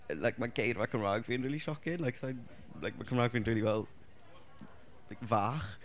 yy like mae geirfa Cymraeg fi'n rili shocking. Like sa i'n... like mae Cymraeg fi'n rili fel like fach.